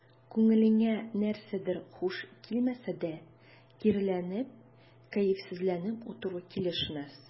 Күңелеңә нәрсәдер хуш килмәсә дә, киреләнеп, кәефсезләнеп утыру килешмәс.